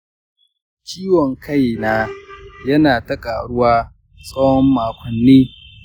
ciwon kaina yana ta ƙaruwa tsawon makonni.